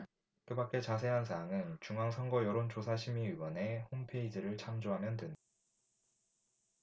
그밖의 자세한 사항은 중앙선거여론조사심의위원회 홈페이지를 참조하면 된다